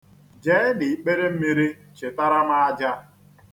Jee n'ikperemmiri chịtara m aja.